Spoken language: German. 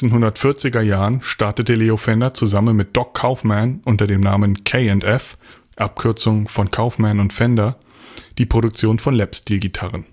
1940er Jahren startete Leo Fender zusammen mit „ Doc “Kaufmann unter dem Namen K & F (Abkürzung von Kaufmann und Fender) die Produktion von Lapsteel-Gitarren